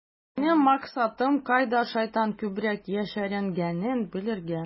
Минем максатым - кайда шайтан күбрәк яшеренгәнен белергә.